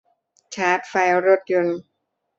ชาร์จไฟรถยนต์